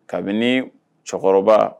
Kabini cɛkɔrɔba